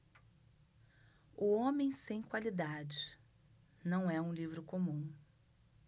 o homem sem qualidades não é um livro comum